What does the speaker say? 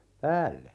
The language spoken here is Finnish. päälle